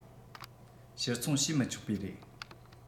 ཕྱིར འཚོང བྱས མི ཆོག པའི རེད